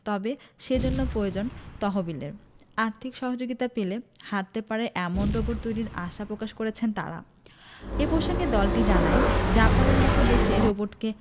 তবে সেজন্য পয়োজন তহবিলের আর্থিক সহযোগিতা পেলে হাটতে পারে এমন রোবট তৈরির আশা পকাশ করেছেন তারা এ পসঙ্গে দলটি জানায় জাপানের মতো দেশে রোবটকে